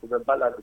U bɛ ba la de